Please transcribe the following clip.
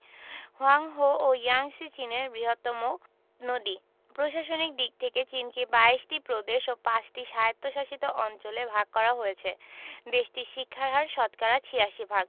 Hwang Ho ও Yangtze চীনের বৃহত্তম নদী প্রশাসনিক দিক থেকে চিনকে ২২ টি প্রদেশ ও ৫ টি স্বায়ত্তশাসিত অঞ্চলে ভাগ করা হয়েছে দেশটির শিক্ষার হার শতকরা ৮৬ ভাগ